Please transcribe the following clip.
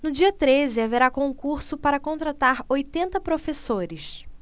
no dia treze haverá concurso para contratar oitenta professores